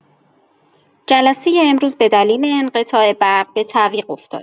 جلسه امروز به دلیل انقطاع برق به تعویق افتاد.